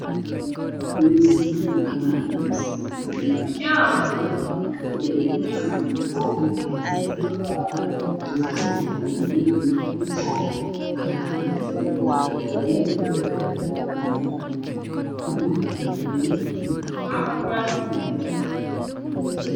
Waa miis waxaa saaran cuntooyin farabadan oo kale koodu yahay gaallo cabitaan ayaa ag yaalo oo codad ku jira miiska wacdaan